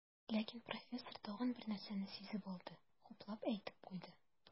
Ләкин профессор тагын бер нәрсәне сизеп алды, хуплап әйтеп куйды.